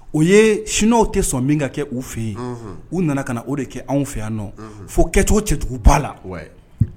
O ye siniw tɛ sɔn min ka kɛ u fɛ yen u nana na o de kɛ anw fɛ yan fo kɛcogo cɛcogoba la